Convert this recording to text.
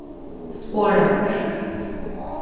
sporamørk